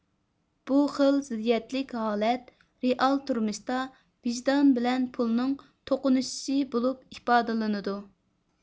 بۇ خىل زىددىيەتلىك ھالەت رېئال تۇرمۇشتا ۋىجدان بىلەن پۇلنىڭ توقۇنۇشۇشى بولۇپ ئىپادىلىنىدۇ